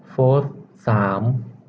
โฟธสาม